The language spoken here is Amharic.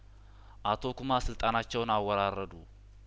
አቶ ኩማ ስልጣናቸውን አወራረዱ